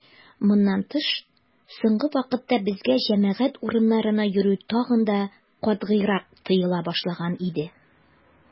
Моннан тыш, соңгы вакытта безгә җәмәгать урыннарына йөрү тагын да катгыйрак тыела башлаган иде.